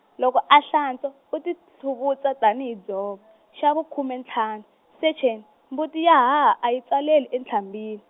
loko a hlantswa, u tlhuvutsa ta ni hi dzovo, xa vukhume ntlhanu Sejeni mbuti ya ha ha a yi tsaleli e ntlhambini.